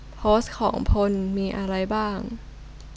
โพสต์ของพลมีอะไรบ้าง